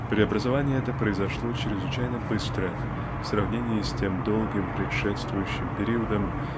Преобразование это произошло чрезвычайно быстро в сравнении с тем долгим предшествующим периодом